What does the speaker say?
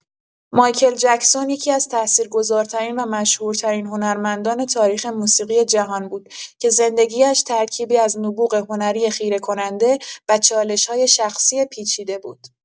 مایکل جکسون یکی‌از تأثیرگذارترین و مشهورترین هنرمندان تاریخ موسیقی جهان بود که زندگی‌اش ترکیبی از نبوغ هنری خیره‌کننده و چالش‌های شخصی پیچیده بود.